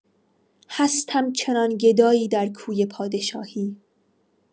هستم چنان گدایی در کوی پادشاهی